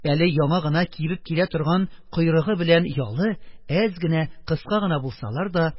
Әле яңа гына кибеп килә торган койрыгы белән ялы, әз генә, кыска гына булсалар да